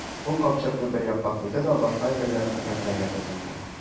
Ул капчыкны бер якка куйды да башка әйберләрен рәтләргә тотынды.